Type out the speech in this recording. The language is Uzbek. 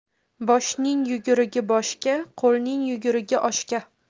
boshning yugurigi boshga qo'lning yugurigi oshga